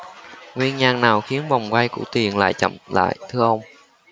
nguyên nhân nào khiến vòng quay của tiền lại chậm lại thưa ông